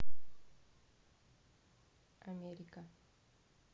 америка